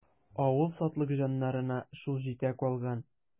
Авыл сатлыкҗаннарына шул җитә калган.